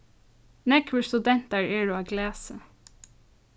nógvir studentar eru á glasi